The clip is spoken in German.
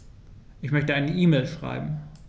Ich möchte eine E-Mail schreiben.